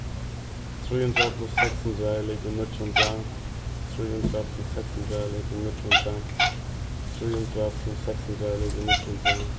trý hundrað pluss seks hundrað er ligvið níggju hundrað trý hundrað pluss seks hundrað er ligvið níggju hundrað trý hundrað pluss seks hundrað er ligvið níggju hundrað